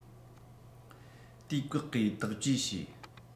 དུས བཀག གིས དག བཅོས བྱས